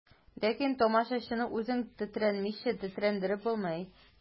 Ләкин тамашачыны үзең тетрәнмичә тетрәндереп булмый.